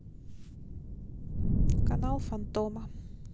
канал фантома